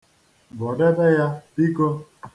Gwọdebe ya biko.